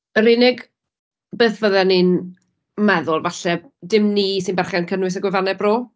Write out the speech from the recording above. Yr unig beth fydden i'n meddwl falle, dim ni sy'n berchen cynnwys y gwefannau Bro.